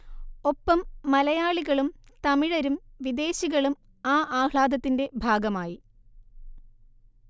ഒപ്പം മലയാളികളും തമിഴരും വിദേശികളും ആ ആഹ്ളാദത്തിന്റെ ഭാഗമായി